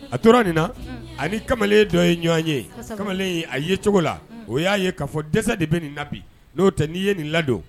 A tora nin na ani kamalen dɔ ye ɲɔgɔn ye kamalen a ye cogo la o y'a ye k'a fɔ dɛsɛ de bɛ nin na bi n'o tɛ ni ye nin ladon